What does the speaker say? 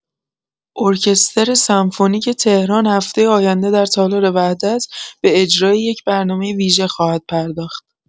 ارکستر سمفونیک تهران هفته آینده در تالار وحدت به اجرای یک برنامه ویژه خواهد پرداخت.